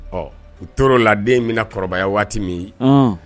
Ɔ u tora la den in bɛna kɔrɔbaya waati min ye